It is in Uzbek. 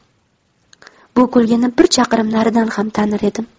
bu kulgini bir chaqirim naridan ham tanir edim